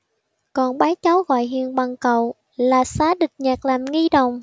còn bái cháu gọi hiền bằng cậu là xá địch nhạc làm nghi đồng